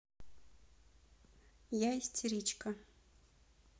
я истеричка